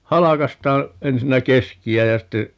halkaistaan ensinnä keskeä ja sitten